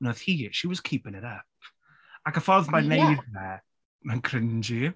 Ond oedd hi she was keeping it up. Ac y ffordd mae'n wneud... ie ...e mae'n cringey.